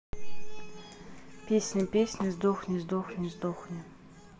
песня песня сдохни сдохни сдохни